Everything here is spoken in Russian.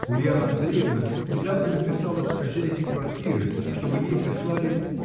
Ульяна Андреевна недавно написала к хозяйке квартиры, чтобы ей прислали.